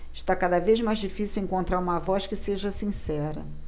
está cada vez mais difícil encontrar uma voz que seja sincera